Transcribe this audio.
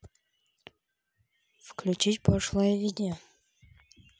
включи пошлое видео